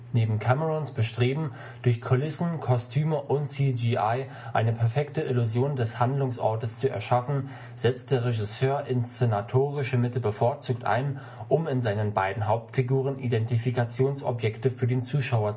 Neben Camerons Bestreben, durch Kulissen, Kostüme und CGI eine perfekte Illusion des Handlungsortes zu erschaffen, setzt der Regisseur inszenatorische Mittel bevorzugt ein, um in seinen beiden Hauptfiguren Identifikationsobjekte für den Zuschauer